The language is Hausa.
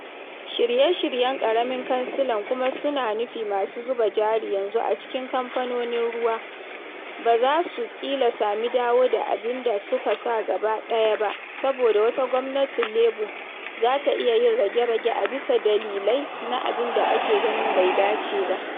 Shiryen-shiryen ƙaramin cansalan kuma suna nufi masu zuba jari yanzu a cikin kamfanonin ruwa ba za su ƙila sami dawo da abin da suka sa gaba ɗaya ba saboda wata gwamnatin Labour za ta iya yin 'rage-rage' a bisa dalilai na abin da ake ganin bai dace ba.